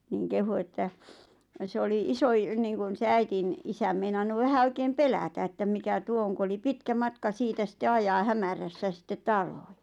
niin kehui että se oli - niin kuin se äidin isä meinannut vähän oikein pelätä että mikä tuo on kun oli pitkä matka siitä sitten ajaa hämärässä sitten taloihin